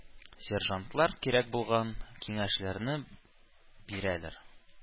Сержантлар кирәк булган киңәшләрне бирәләр.